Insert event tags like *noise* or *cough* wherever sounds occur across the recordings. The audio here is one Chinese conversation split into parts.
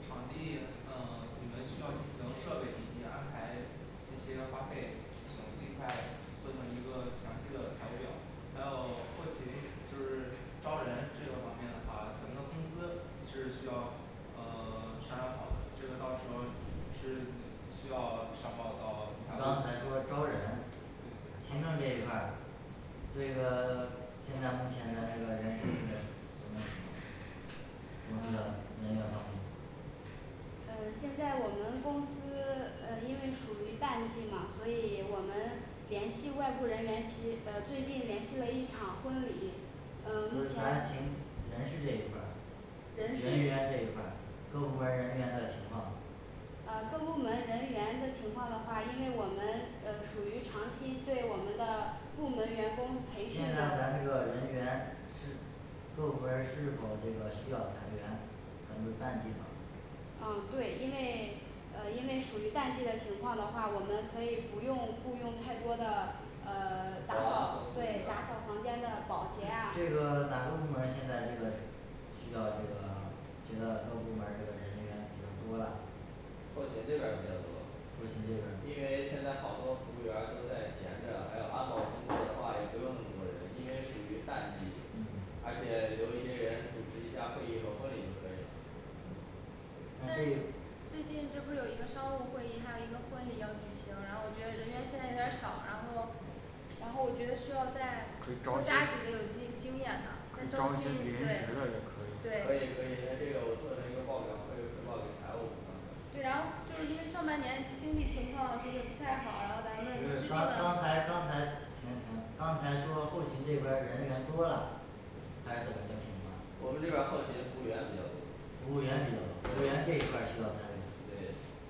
嗯场地呃你们需要进行设备以及安排，那些花费请尽快做成一个详细的财务表还有后勤就是招人这个方面的话，咱们的公司是需要呃商量好的这个到时候是需要上报到你财刚才务对说招人对行政这一块儿这个 *silence* 现在目前咱这个人事这个什么情况？公司的人员方面呃现在我们公司 *silence* 呃因为属于淡季嘛所以我们联系外部人员其呃最近联系了一场婚礼呃就目咱行前人事这一块儿人人事员这一块儿各部门儿人员的情况呃各部门人员的情况的话，因为我们呃属于长期对我们的部门员工培训现在咱这的个人员是各部门儿是否这个需要裁员咱不是淡季吗啊对因为呃因为属于淡季的情况的话，我们可以不用雇佣太多的保安和呃 *silence* 打扫服务员对打儿扫房间的保洁啊这个哪个部门儿现在这个需要这个觉得各部门儿这个人员比较多了后勤这边儿比较多后勤这边因儿呢为现在好多服务员儿都在闲着，还有安保工作的话也不用那么多人，因为属于淡季，嗯而且留一些人主持一下会议和婚礼就可以了嗯啊但对是最近不是说有一个商务会议，还有一个婚礼要举行，然后我觉得人员现在有点少儿然后然后我觉得需要再可以招加几个有经经验再的再招招聘聘临时的对也可以以可以对那这个我做成一个报表会报给财务是吧对然后就因为上半年经济情况也不太好然后咱们不是刚刚才刚才停停刚才说后勤这边儿人员多了还是怎么个情况我们这边后勤服务员比较多服务员比较多服务员这块儿需要裁员对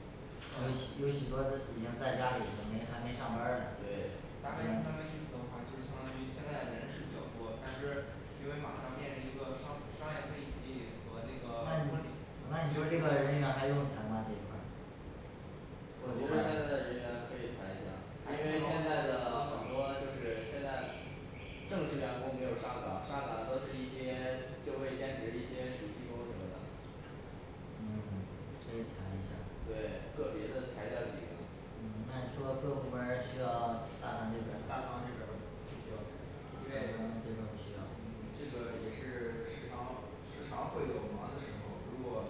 有有许多的已经在家里没还没上班儿嘞对大概他们意思的话就是相当于现在人是比较多但是因为马上面临一个商商业会议和那个那婚你礼那你说这个人员还有裁吗这一块儿轮岗正式员工没有上岗，都是一些社会兼职一些暑期工什么的嗯 *silence* 可以裁一下儿对个别的裁掉几个嗯那你说各部门儿需要大堂那边大堂儿这边儿不需大要裁因为堂这边儿不需要嗯这个也是时常时常会有忙的时候，如果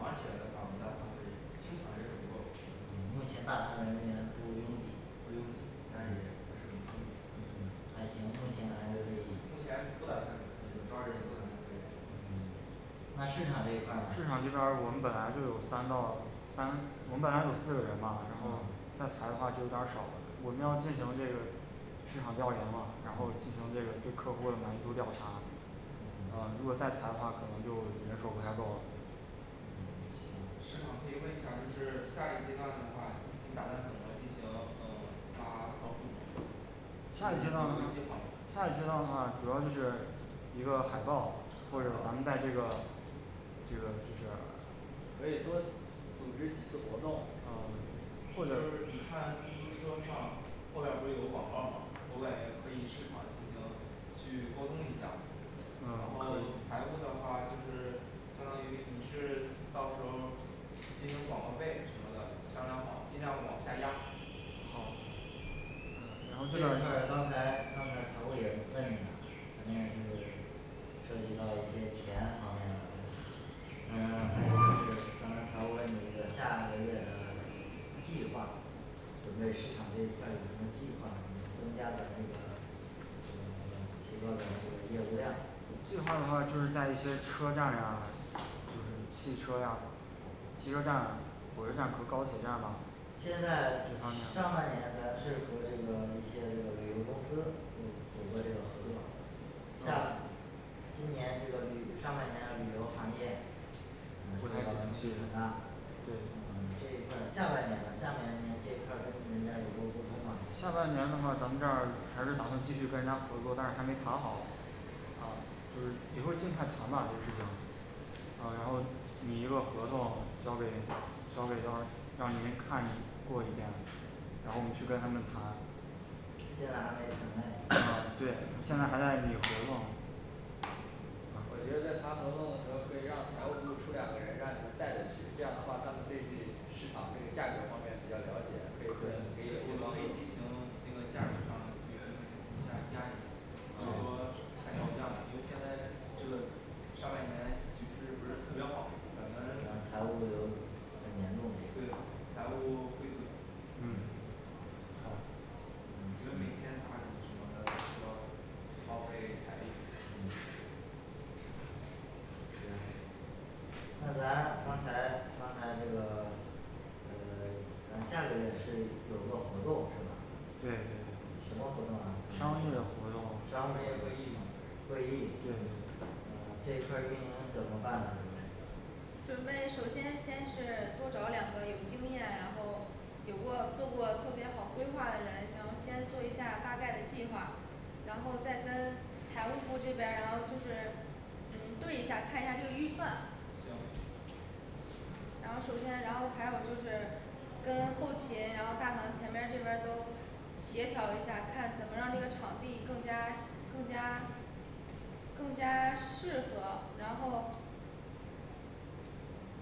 忙起来的话我大堂会经常人手不够嗯目前大堂人员不拥挤不拥挤但是也嗯不是很充裕嗯还行，目前还是可以目前不打算这个招人也不打算裁人嗯那市场这一块儿呢市场这边儿我们本来就有三到三我们本来有四个人嘛然后嗯再裁的话就有点儿少我们要进行这个市场调研啊，然后进嗯行对客户儿的满意度调查嗯呃如果再裁的话，可能就人手不太够了嗯行就是有下一计划个计划下一个嘛计划的话主要是一个海报咱们在这个这个就是可以多组织几次活动哦或者就是看出租车上后面儿不是有广告儿嘛，我感觉可以市场进行去沟通一下，嗯然可后以财务的话就是相当于你是到时候儿进行广告费什么的商量好尽量往下压好这儿一块儿刚才刚才财务也问你了肯定是涉及到一些钱方面的问题准备市场这一块儿有什么计划能增加咱们这个嗯 *silence* 提高咱们这个业务量这部分的话就是在一些车站上嗯汽车呀汽车站火车站高铁站啊现在上半年咱是和这个一些这个旅游公司有过这个合作下今年这个旅上半年旅游行业嗯对这一块儿下半年呢下半年这块儿跟我们大家有过沟通吧下半年的话咱们这儿还是咱们继续专家合作但是还没谈好就是也会尽快谈吧这个事情啊然后拟一个合同交给交给到时候儿让你们看一过一遍然后我们去跟他们谈现在还没啊谈嘞&& *hesitation* 对现在还在拟合同可以进行那个价格上那个往下压一压不能说太高价因为现在这个上半年局势不是特别好，咱呃们财务说很难弄对财务亏损嗯因嗯为每天行大体什么的都要耗费财力的嗯行那咱刚才刚才这个呃 *silence* 咱下个月是有个活动是吧对什么活动啊商业活动商业会议嘛会议嗯嗯这块儿运营怎么办啊准备准备首先先是多找两个有经验，然后有过做过特别好规划的人，然后先做一下大概的计划然后再跟财务部这边儿，然后就是嗯对一下儿看一下儿这个预算行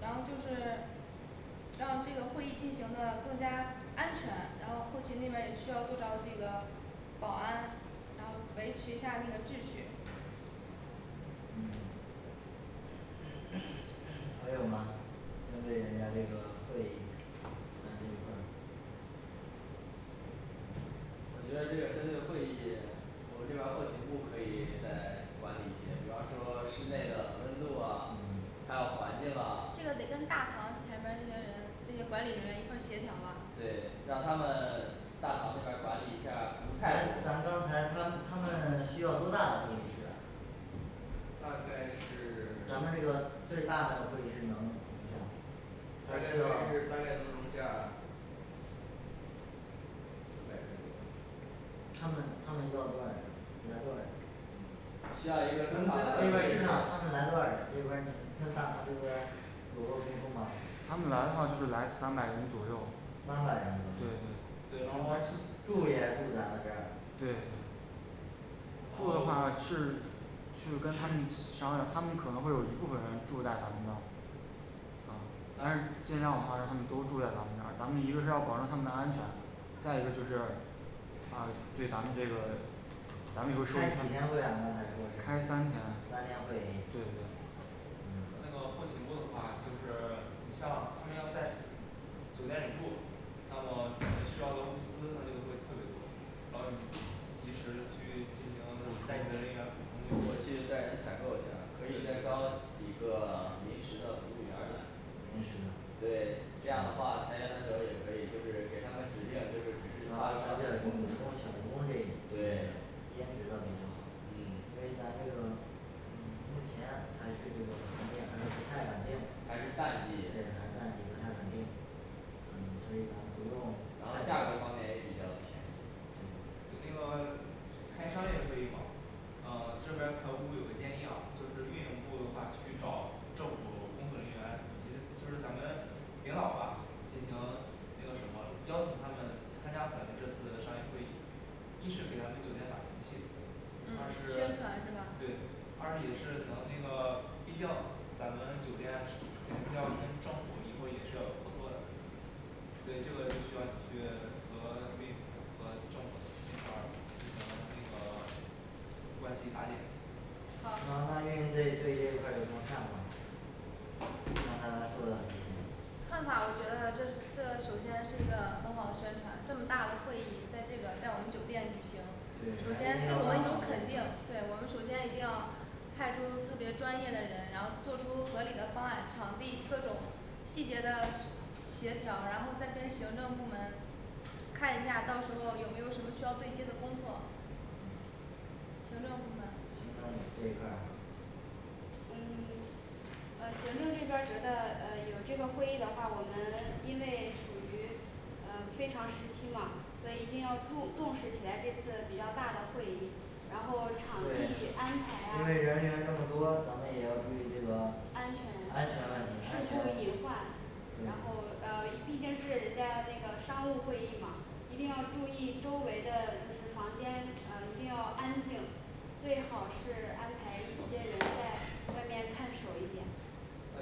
然后就是让这个会议进行的更加安全，然后后勤那边儿也需要做到这个保安，然后维持一下儿那个秩序嗯 *crosstalk* 还有吗？针对人家这个会议咱这一块儿我觉得这个针对会议，我们这边儿后勤部可以再管理一些，比方说室内的温度啊嗯还有环境啊这个得跟大堂前面这些人这个管理人员一块儿协调吧对让他们大堂那边儿管理一下儿服务咱态咱度刚才他他们 *silence* 需要多大的会议室啊大概咱们这是 *silence* 个最大的会议室能不能容下大概是大概能容下四百个他们他们要多少人来多少人像一个正常的市场，他们来多少人这边儿你跟大堂这边儿有过沟通吗他们来的话是来三百人左右三百人左对右对然后住也是住咱们这儿对然后住啊是去跟他们商量，他们可能会有一部分人住在咱们这儿啊但是尽量的话让他们都住在咱们这儿，咱们一个是要保证他们的安全再一个就是啊对咱们这个咱们就是开几天会啊他开们说是三三天天会议对那个后勤部的话就是 *silence* 你像他们要在酒店里住那么需要的物资那就会特别多然后你及时去进行你带你的人员补我充去带人采购一下儿可以再招几个 *silence* 临时的服务员儿来临时的对这样的话参加的时候儿也可以就是给他们指定就是发少点儿工资工小时工这对兼职的嗯因为咱这个目前还是这个方面还是不太稳定，还是淡季对还是淡季不太稳定嗯所以呢不用然后这价格方面也比较便宜对对那个开商业会议嘛啊这边儿财务部有个建议啊，就是运营部的话去找政府工作人员，其实就是咱们领导吧进行那个什么，邀请他们参加咱们这次的商业会议一是给咱们酒店打名气嗯二是宣 *silence* 传是吧对二也是能那个 *silence* 毕竟咱们酒店是肯定是要跟政府以后也是要有合作的对，这个就需要你去和 *silence* 运和政府那块儿进行那个关系搭建然后啊那运营对对这块儿有什么看法儿刚才他说的那些看法，我觉得这这首先是一个很好的宣传，这么大的会议在这边儿在我们酒店举行对首首先先对要我管们有好肯这定个，对我们首先一定要派出特别专业的人，然后做出合理的方案，场地各种细节的协调然后再跟行政部门看一下儿到时候儿有没有什么需要对接的工作行政部门儿行政这一块儿嗯 *silence* 呃行政这边儿觉得呃有这个会议的话，我们因为属于呃非常时期嘛所以一定要重重视起来这次比较大的会议然后场对地安因排呀为人员那么多，咱们也要注意这个安全安全问事题而故隐且患然后对呃毕竟是人家那个商务会议嘛一定要注意，周围的就是房间呃一定要安静最好是安排一些人在外面看守一点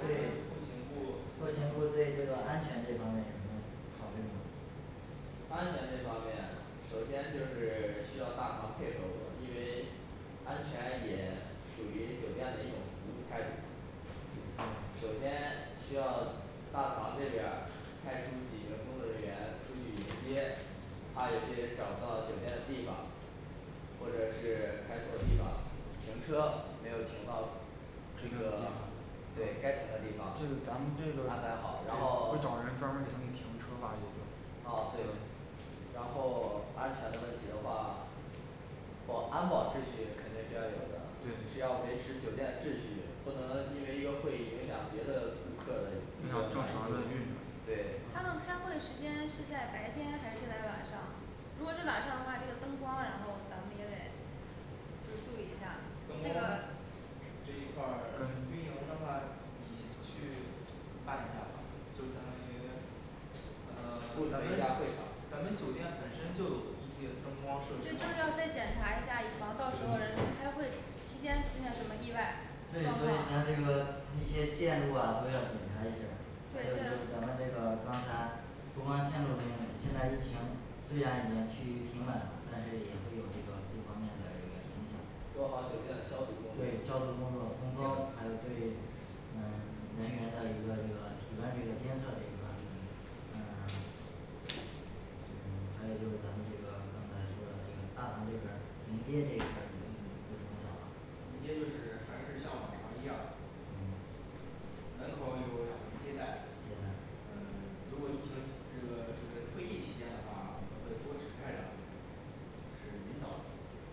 我们后勤部后勤部对这个安全这方面有什么考虑吗安全这方面，首先就是 *silence* 需要大堂配合我因为安全也属于酒店的一种服务态度嗯首先需要大堂这边儿派出几名工作人员出去迎接，怕有些人找不到酒店的地方或者是开错地方，停车没有停到这个对，该停的地方这咱们这个安排好然后找人专门去停车吧啊对然后 *silence* 安全的问题的话肯定是有的需要维持酒店的秩序，不能因为一个会影响别的顾客的对对他们开会时间是在白天还是在晚上如果是晚上的话，这个灯光然后咱们就得注意一下儿灯这光个这一块呃儿运营的话去办一下儿吧就相当于呃 *silence* 布置咱一下会们场咱们酒店本身就有一些灯光设施对就要嘛再检查一下以防到时候儿人家开会期间出现什么意外对，所以咱这个一些电路啊都要检查一下儿还有就咱们这个刚才不光线路原因，现在疫情虽然已经趋于平稳了，但是也会有这个这方面的一个影响做好酒店的消毒工作对消毒工作通风，还有对嗯 *silence* 人员的一个这个体温这个监测这一块儿嗯嗯 *silence* 嗯 *silence* 还有就是咱们这个刚才说的这个大堂这边儿迎接这一块儿，你有什么想法儿迎接就是 *silence* 还是像往常一样嗯门口儿有两名接待接待嗯如果疫情这个这个会议期间的话我们会多指派两名指引导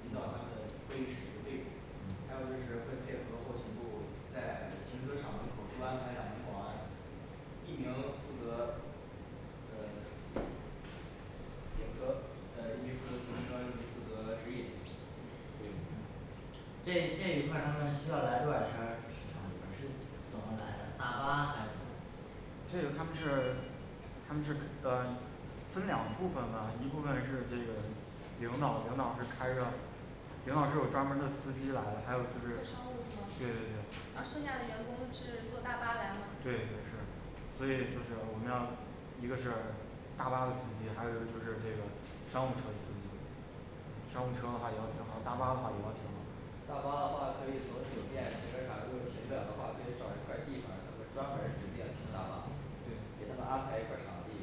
引导嗯他们会议室的位置，嗯还有就是会配合后勤部在停车场门口儿多安排两名保安一名负责呃 *silence* 停车呃一名负责停车一名负责指引对这这一块儿他们需要来多少车儿，市场那边儿是怎么来的大巴还是什么这个他们是他们是呃分两部分吧，一部分是这个领导领导会开着领导是有专门儿的司机来的，还有就坐是商务车吗对对呃对剩下的员工是坐大巴来的对所以就是我们要一个是大巴的司机，还有一个就是这个商务车司机商务车还有什么大巴话一个大巴的话可以回酒店，停车场如果停不了的话，可以找一块儿地方儿，就专门儿指定停大巴对给他们安排一块儿场地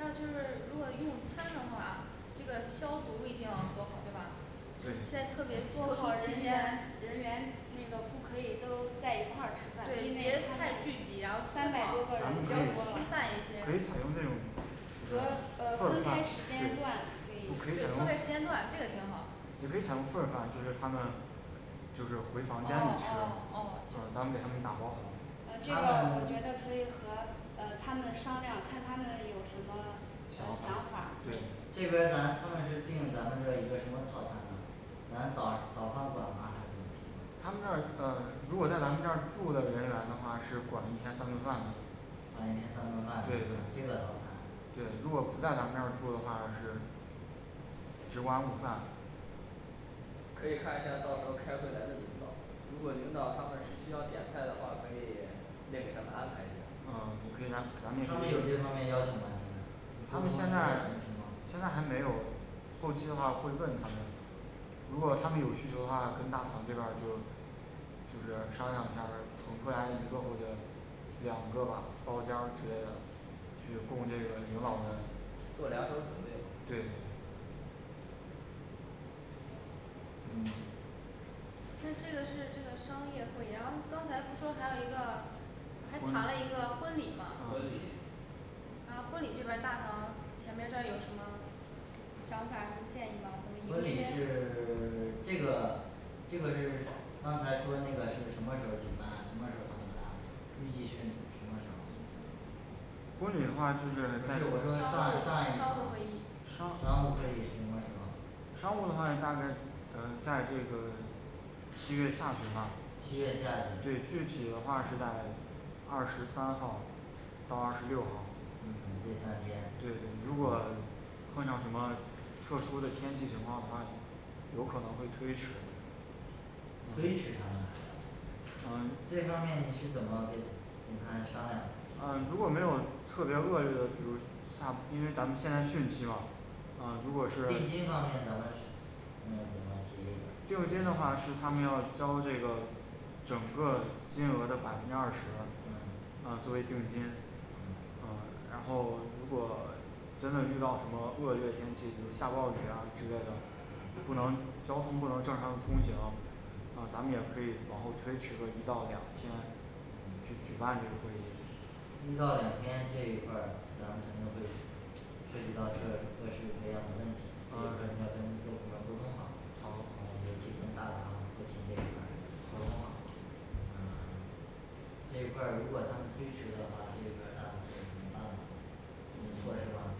要是如果用餐的话，这个消毒一定要高对吧对现在特别做不好，人员人员那个不可以都在一块儿吃饭对因为太聚集然后三百咱们可多个人太多以了可以整成那种隔呃分开时间段分可以开时间段这个挺好也可以想个做法儿就是他们就是回房间里哦吃哦哦给他们进行打包好呃这个他我们觉得可以和呃他们商量，看他们有什么呃想法儿对这边儿咱他们是定咱们这一个什么套餐啊咱早早饭管吗还是怎么情况管一天三顿饭对这对个对套餐对，如果不在咱们这儿住的话是只管午饭可以看一下，到时候儿开会来的领导如果领导他们是需要点菜的话，可以另给他们安排啊我们可以安他们排有这方面要求吗他们现现在在沟通是什么情况后期的话会问他们现在还没有如果他们有需求的话跟大堂这边儿就就是商量一下儿，腾出来一个或者两个包间儿之类的去供这个领导们的做两手准备嘛对嗯就这个是这个商业会，然后刚才不是说还有一个还谈了一嗯个婚礼嘛婚礼啊婚礼这边儿大堂前面这儿有什么想法儿和建议吗婚礼你这边是 *silence* 这个这个是刚才说那个是什么时候儿举办，什么时候儿他们来啊预计是什么时候儿婚礼的话就是不是商务我说上上一场商务会议商务会议什么时候商务的话大概嗯在这个七月下旬吧七月下对旬具体的话是在二十三号儿到二十六号儿嗯 *silence* 这三天对如果碰上什么特殊的天气情况的话，有可能会推迟推迟他们啊嗯这方面你是怎么给给他商量啊如果没有特别恶劣的就是差因为咱们现在是汛期嘛啊如果定是金方面咱们是嗯怎么协议的定金的话是他们要交这个整个金额的百分之二十嗯啊作为定金嗯嗯嗯然后如果真的遇到什么恶劣的天气比如下暴雨啊之类的就嗯不能交通不能正常通行嗯啊咱们也可以往后推迟一到两天去嗯举办这个会议一到两天这一块儿咱肯定会涉及到这各式各样的问题，这一块儿你要嗯跟各部门儿沟通好呃哦尤其跟大堂后勤这一块儿沟通好嗯 *silence* 这一块儿如果他们推迟的话，这个大堂有什么办法有措施吗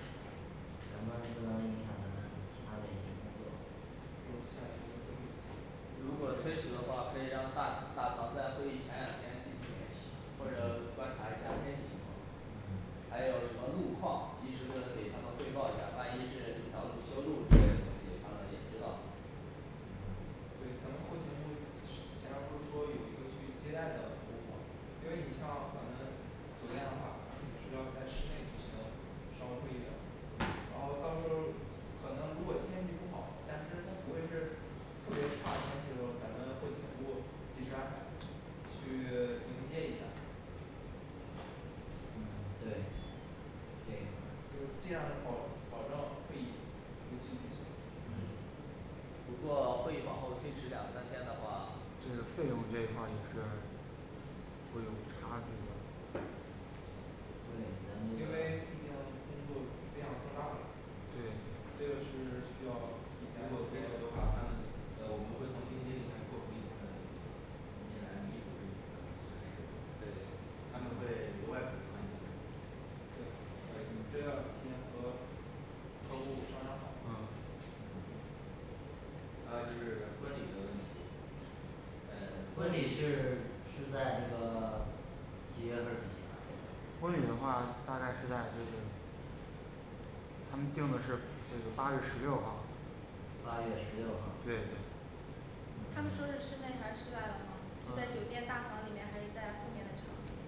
咱们不能影响咱们其他的一些工作如果推迟的话，可以让大大堂在会议前两天进行联系，或嗯者观察一下天气情况嗯嗯对咱们后勤部你前面不是说有一个去接待的服务吗因为你像咱们酒店的话，他肯定是要在室内举行商务会议的然嗯后到时候儿可能如果天气不好，但是他不会是特别差天气的时候儿咱们后勤部及时安排去迎接一下嗯对这个就尽量保保证会议如期履行不过会议往后推迟两三天的话就是费用这一块儿也是会有差距对咱因们为毕竟工作量更大了对这个是 *silence* 需要如果推迟的话他们呃，我们会从定金里面扣除一部分资金来弥补这部分损失对他们会额外补偿一部分这对可以个嗯提前和客户商量好嗯嗯还有就是婚礼的问题嗯婚礼是 *silence* 是在这个 *silence* 几月份儿举行啊这个婚礼的话大概是在这个他们定的是嗯八月十六号儿八月十六号儿读嗯他们说是室内还是室外的吗是在酒店大堂里面还是在后面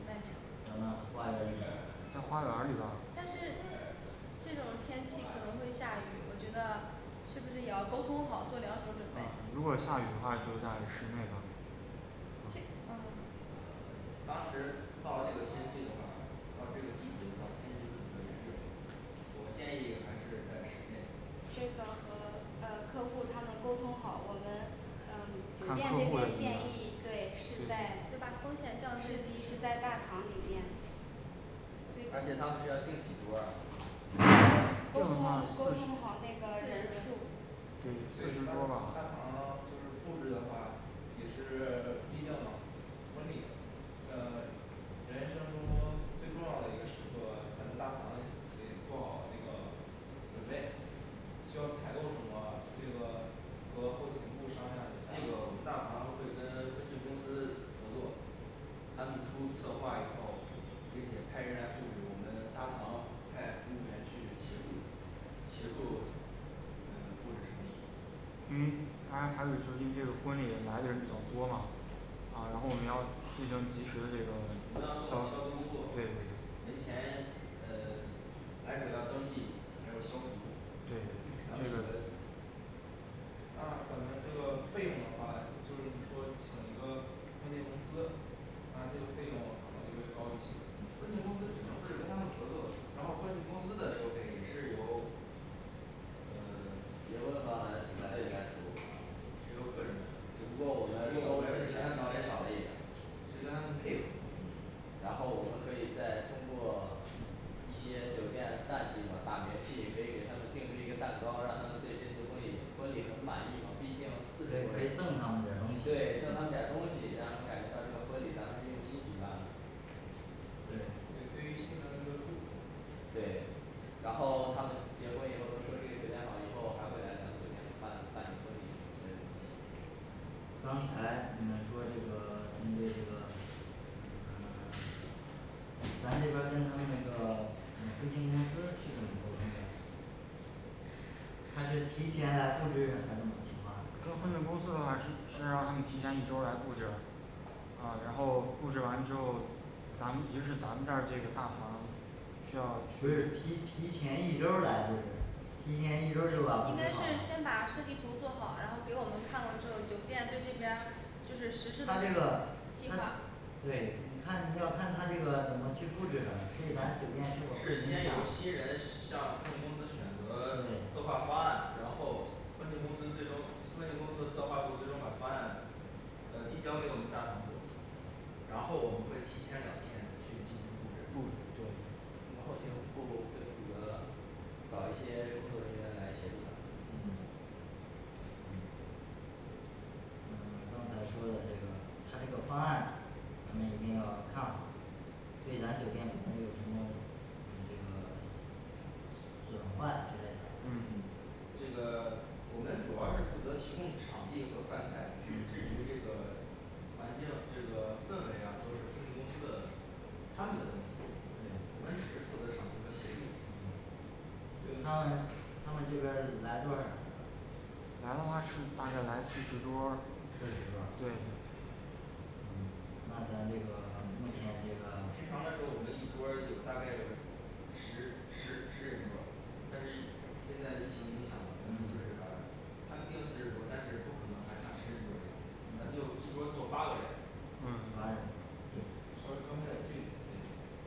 外面咱们花园儿里在花园儿里吧但是这种天气可能会下雨，我觉得是不是也要沟通好做两手准嗯备如果下雨的话就会在室内这嗯当时到了那个天气的话，到这个季节的话天气会比较炎热我建议还是在室内这个和呃客户他们沟通好，我们嗯酒看店客这户的边建议对是在在大堂里面而且他们是要订几桌儿啊沟通好沟通好那个人数儿对大大堂就是布置的话也是毕竟嘛婚礼呃 *silence* 人生中最重要的一个时刻，咱们大堂得做好那个准备，需要采购什么这个和后勤部商量一这个下我们大堂会跟婚庆公司合作他们出策划以后，并且派人来布置我们大堂派服务员去协助协助呃布置场地因为他他租金这个婚礼来的人比较多嘛啊然后我们要进行及时这个我们要做好消毒工作对门前呃来者要登记，还有消毒对咱们这个那咱们这个费用的话，就是你说请一个婚介公司那这个费用可能就会高一些婚庆公司只能是跟他们合作，然后婚庆公司的收费也是由呃 *silence* 结婚方来来来付也有客人呢如果我们少了一点儿是跟他们配合然后我们可以再通过一些酒店淡季嘛把明细可以给他们定制一个蛋糕，让他们对这次婚礼婚礼很满意嘛毕竟对可以赠他们点儿东对西赠他们点儿东西让他们感觉到这个婚礼咱们用心举办的对对于新人的一个祝福对然后他们结婚以后都说这个酒店好以后，还会来咱们酒店办办理婚礼什么之类的东西刚才你们说这个针对这个咱这边儿跟他们那个嗯婚庆公司是怎么沟通的他是提前来布置还是什么情况啊啊然后布置完之后，咱们只使咱们这儿这个大堂让不是提提前一周儿来布置提前一周儿就把布置先是好了先把设计图做好，然后给我们看了之后酒店这边儿就是实施它这个计划他对，看你要看他这个怎么去布置的，对咱酒店婚庆公司的话让他们提前一周是否影响对来布置婚庆公司最终婚庆公司策划部最终把方案呃递交给我们大堂部然后我们会提前两天去进行布置布布置那后勤部会负责找一些工作人员来协助他们嗯嗯嗯刚才说的这个他这个方案咱们一定要看好对咱酒店里面有什么嗯这个损坏之类的嗯这个我们主要是负责提供场地和饭菜去嗯置置这个环境这个氛围啊都是婚庆公司的他们的问题对我们只是负责场地和协助嗯对他们他们这边儿来多少人来嘛是大概来四十桌儿四十桌儿对嗯 *silence* 那咱这个 *silence* 目前这个平常的时候儿，我们一桌儿有大概有十十十人一桌儿但是疫现在疫情影响可能就是嗯把他们订四十桌儿但是不可能还像十人一桌儿一样咱们就嗯一桌儿坐八个人坐八个人嗯稍微隔开点儿距离对